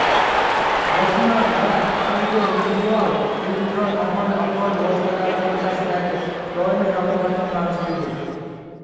bosma va audiovizual elektron ommaviy axborot vositalari o'rtasidagi doimiy raqobatning mavjudligi